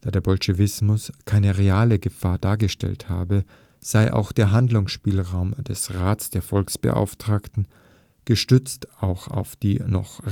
der „ Bolschewismus “keine reale Gefahr dargestellt habe, sei auch der Handlungsspielraum des Rats der Volksbeauftragten – gestützt auch auf die noch